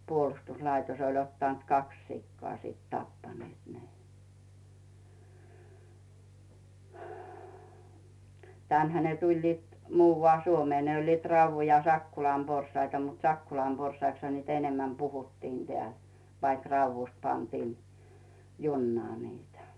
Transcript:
puolustuslaitos oli ottanut kaksi sikaa sitten tappaneet ne tännehän ne tulivat muualle Suomeen ne olivat Raudun ja Sakkolan porsaita mutta Sakkolan porsaiksihan niitä enemmän puhuttiin täällä vaikka Raudusta pantiin junaan niitä